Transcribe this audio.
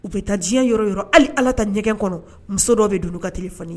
U bɛ taa diɲɛ yɔrɔ yɔrɔ hali ala ta ɲɛgɛn kɔnɔ muso dɔ bɛ dunun kaeli fɔ ye